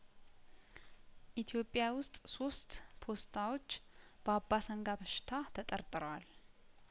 ኢትዮጵያ ውስጥ ሶስት ፖስታዎች በአባሰንጋ በሽታ ተጠርጥረዋል